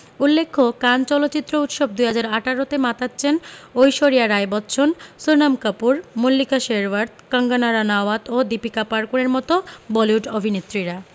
উল্লেখ্য কান চলচ্চিত্র উৎসব ২০১৮ তে মাতাচ্ছেন ঐশ্বরিয়া রাই বচ্চন সোনম কাপুর মল্লিকা শেরওয়াত কঙ্গনা রানাউত ও দীপিকা পাড়কোনের মতো বলিউড অভিনেত্রীরা